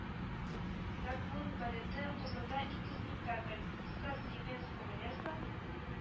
Дортмунд-балеты Казанда ике спектакль: Сказки Венского леса